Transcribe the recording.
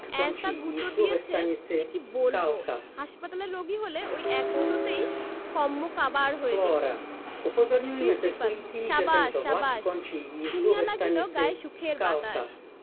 এ্যায়সা গুঁতো দিয়েছে যে কি বলব হাসপাতালের রোগী হলে ঐ এক গুঁতোতেই কন্মকাবার হয়ে যেত প্রিন্সিপাল সাবাস সাবাস শুনিয়া লাগিল গায়ে সুখের বাতাস